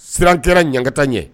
Siran kɛra ɲkata ɲɛ